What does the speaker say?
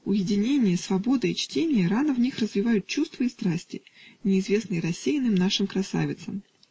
Уединение, свобода и чтение рано в них развивают чувства и страсти, неизвестные рассеянным нашим красавицам.